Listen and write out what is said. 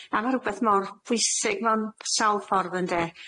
A ma' rwbeth mor bwysig mewn sawl ffordd, ynde.